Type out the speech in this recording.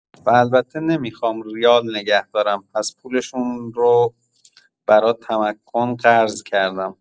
و البته نمیخوام ریال نگه دارم پس پولشون را برا تمکن قرض کردم.